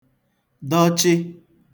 dọchị